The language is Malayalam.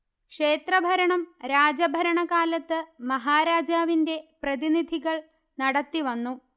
ക്ഷേത്രഭരണം രാജഭരണകാലത്ത് മഹാരാജാവിന്റെ പ്രതിനിധികൾ നടത്തിവന്നു